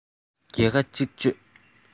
བརྒྱ ཁ གཅིག གཅོད